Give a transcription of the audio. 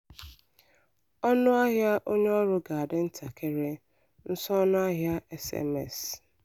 Ọnụ ahịa onye ọrụ ga-adị ntakịrị - nso ọnụ ahịa SMS.